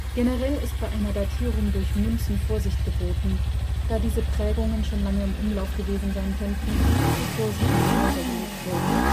Generell ist bei einer Datierung durch Münzen Vorsicht geboten, da diese Prägungen schon lange im Umlauf gewesen sein könnten, bevor sie in die Gräber gelegt wurden